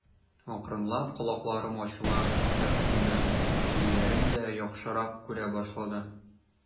Акрынлап колакларым ачыла, бәхетемә, күзләрем дә яхшырак күрә башлады.